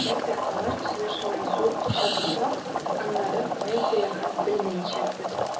Әгәр дә алар төзелешенә зур акча тотсак, аннары кая куярга белмәячәкбез.